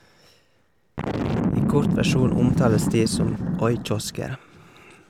I kort versjon omtales de som oi-kiosker.